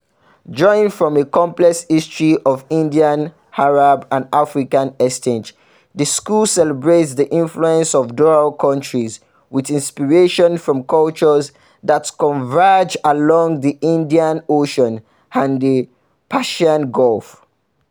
Drawing from a complex history of Indian, Arab and African exchange, the school celebrates the influence of "dhow countries", with inspiration from cultures that converged along the Indian Ocean and the Persian Gulf.